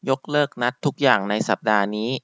ยกเลิกนัดทุกอย่างในสัปดาห์นี้